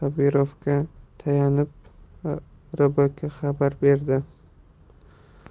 xabirovga tayanib rbk xabar berdi